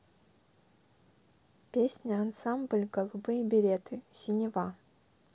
песня ансамбль голубые береты синева